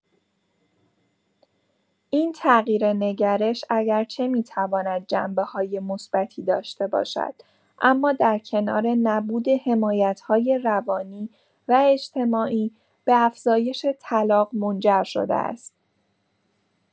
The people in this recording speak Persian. این تغییر نگرش، اگرچه می‌تواند جنبه‌های مثبتی داشته باشد، اما در کنار نبود حمایت‌های روانی و اجتماعی، به افزایش طلاق منجر شده است.